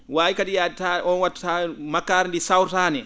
waawi kadi yaade ta oon waktu taa makkaari ndii sawtaani